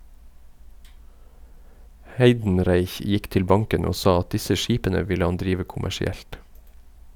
Heidenreich gikk til banken og sa at disse skipene ville han drive kommersielt.